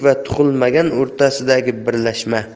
va tug'ilmagan o'rtasidagi birlashma